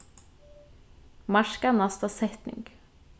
marka næsta setning